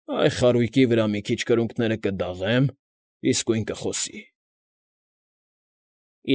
Այ, խարույկի վրա մի քիչ կրունկները կդաղեմ՝ իսկույն կխոսի։ ֊